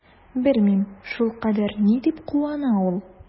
Белмим, шулкадәр ни дип куана ул?